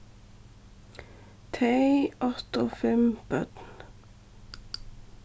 tey áttu fimm børn